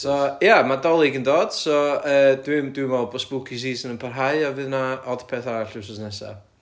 so ia ma' dolig yn dod so yy dwi m- dwi meddwl bo' spooky season yn parhau a fydd 'na Odpeth arall wythnos nesa